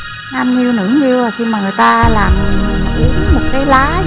nam nhiêu nữ nhiêu khi mà người ta làm một cái lá